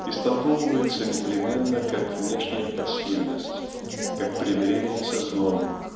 истолковывается непременно как внешняя пассивность как примирение со злом